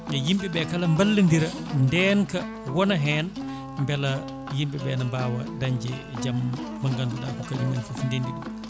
e yimɓeɓe kala ballodira ndenka woona hen beela yimɓeɓe ne mbawa dañje jaam mo ganduɗa ko kañum en foof dendi ɗum